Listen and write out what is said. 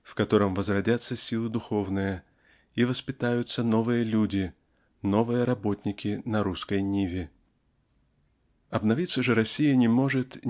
в котором возродятся силы духовные и воспитаются новые люди новые работники на русской ниве. Обновиться же Россия не может